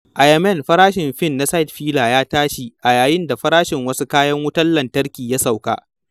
A Yemen farashin fin na sitefila ya tashi a yayin da farashin wasu kayan wutar lantarki ya sauka.